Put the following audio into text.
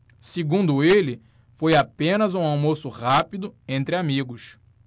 segundo ele foi apenas um almoço rápido entre amigos